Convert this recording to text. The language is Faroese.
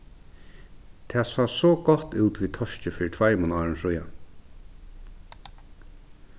tað sá so gott út við toski fyri tveimum árum síðan